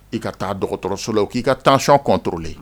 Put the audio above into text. I ka taa docteur so la u ki ka tentions contrôler